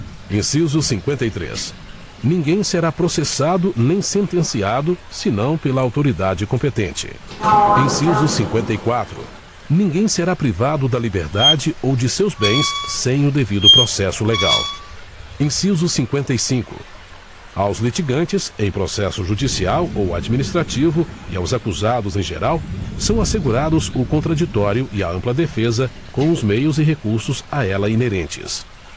inciso cinqüenta e três ninguém será processado nem sentenciado senão pela autoridade competente inciso cinqüenta e quatro ninguém será privado da liberdade ou de seus bens sem o devido processo legal inciso cinqüenta e cinco aos litigantes em processo judicial ou administrativo e aos acusados em geral são assegurados o contraditório e a ampla defesa com os meios e recursos a ela inerentes